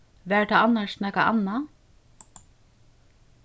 var tað annars nakað annað